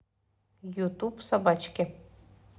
ютуб собачки